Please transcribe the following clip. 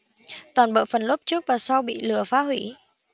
toàn bộ phần lốp trước và sau bị lửa phá hủy